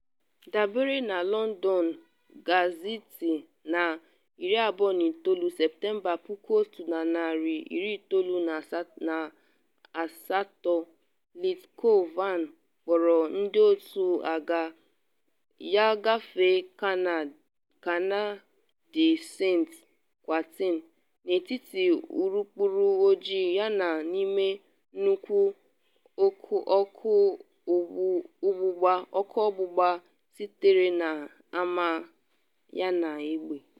Dabere na London Gazette, na 29 Septemba 1918 Lt Col Vann kpọọrọ ndị otu agha ya gafee Canal de Saint-Quentin “n’etiti urukpuru ojii yana n’ime nnukwu ọkụ ọgbụgba sitere na ama yana egbe.”